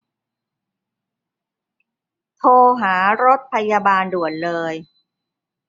โทรหารถพยาบาลด่วนเลย